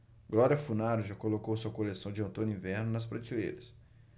glória funaro já colocou sua coleção de outono-inverno nas prateleiras